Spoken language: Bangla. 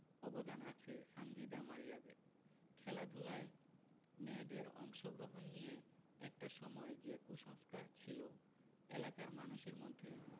অবদান আছে সানজিদা মারিয়াদের খেলাধুলায় মেয়েদের অংশগ্রহণ নিয়ে একটা সময় যে কুসংস্কার ছিল এলাকার মানুষের মধ্যে